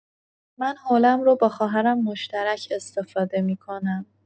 من حوله‌م رو با خواهرم مشترک استفاده می‌کنم.